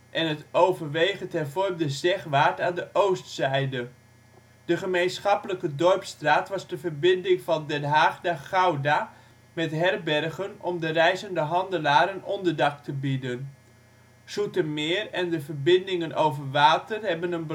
en het overwegend hervormde Zegwaard aan de oostzijde. De gemeenschappelijke Dorpsstraat was de verbinding van Den Haag naar Gouda met herbergen om de reizende handelaren onderdak te bieden. Zoetermeer en de verbindingen over water hebben